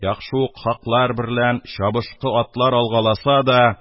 Яхшы ук хаклар берлән чабышкы атлар алгаласа да,